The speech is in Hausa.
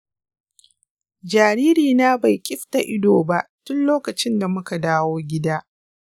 jaririna bai ƙifta ido ba tun lokacin da muka dawo gida.